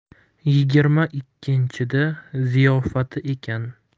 yigirma ikkinchida ziyofati ekan